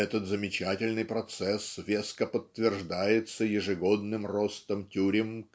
этот замечательный процесс веско подтверждается ежегодным ростом тюрем